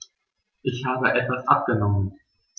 Ich habe etwas abgenommen.